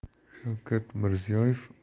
shavkat mirziyoyev